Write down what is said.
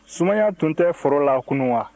sumaya tun tɛ foro la kunun wa